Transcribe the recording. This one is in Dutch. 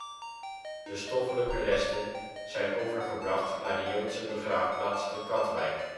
stoffelijke resten zijn overgebracht naar de joodse begraafplaats te Katwijk